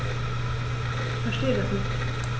Verstehe das nicht.